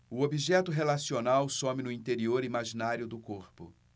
o objeto relacional some no interior imaginário do corpo